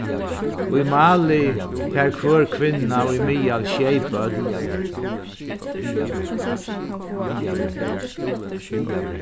í mali fær hvør kvinna í miðal sjey børn